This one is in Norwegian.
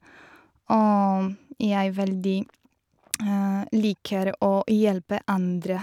Og jeg veldig liker å hjelpe andre.